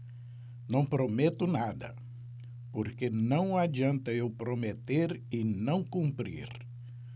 não prometo nada porque não adianta eu prometer e não cumprir